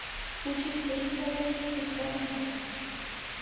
учиться рисовать и красить